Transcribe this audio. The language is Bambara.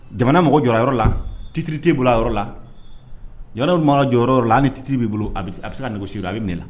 Jamana mɔgɔ jɔyɔrɔ yɔrɔ la titiri tee bolo yɔrɔ la yɔrɔ mana jɔyɔrɔ yɔrɔ la a ni titiri bɛ bolo a bɛ se ka nɛgɛ si a bɛ ne la